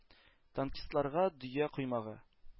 Танкистларга – дөя “коймагы”